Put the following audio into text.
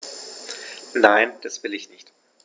Nein, das will ich nicht.